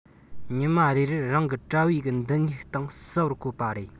ཉི མ རེ རེར རང གི དྲ བའི མདུན ངོས སྟེང གསལ བོར བཀོད པ རེད